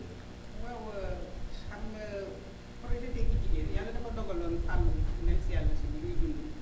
waaw xam nga projet tekki jigéen yàlla dafa dogaloon [pif]